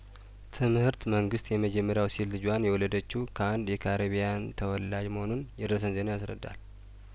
ትምህርት መንግስት የመጀመሪያው ሴት ልጇን የወለደችው ከአንድ የካሪቢያን ተወላጅ መሆኑን የደረሰን ዜና ያስረዳል